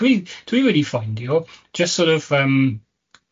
Dwi dwi wedi ffeindio, jyst sor' of yym yy